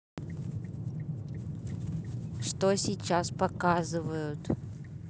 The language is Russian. что сейчас показывают